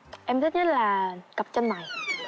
em thích nhất là cặp chân mày